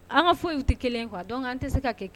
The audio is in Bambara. An ka foyiw tɛ kelen kuwa dɔn an tɛ se ka kɛ kelen